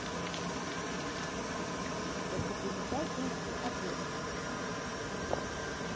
достопримечательности одессы